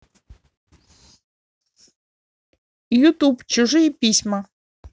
ютуб чужие письма